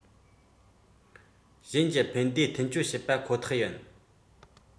གཞན གྱི ཕན བདེ འཐེན སྤྱོད བྱེད པ ཁོ ཐག ཡིན